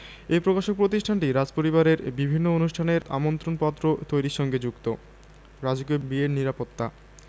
এই প্রকাশক প্রতিষ্ঠানটি রাজপরিবারের বিভিন্ন অনুষ্ঠানের আমন্ত্রণপত্র তৈরির সঙ্গে যুক্ত রাজকীয় বিয়ের নিরাপত্তা